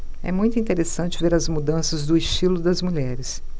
é muito interessante ver as mudanças do estilo das mulheres